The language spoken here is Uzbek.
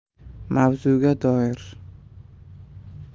mavzuga doir